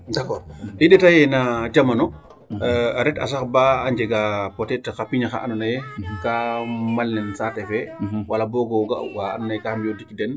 D'accord i ɗeeta ye na jamano a reta sax baa a njagaa peut etre xa mbiña xaa andoona yee kaa mal ne saate fe wala boog o ga' waa andna yee o tig den.